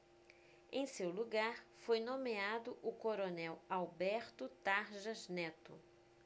em seu lugar foi nomeado o coronel alberto tarjas neto